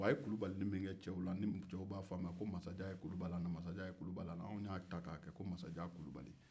a ye kulu balili min kɛ cɛw an y'a ta k'a kɛ ko masajan kulubalu